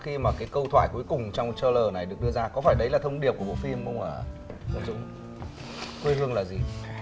khi mà cái câu thoại cuối cùng trong trai lờ này được đưa ra có phải đây là thông điệp của bộ phim không ạ quê hương là gì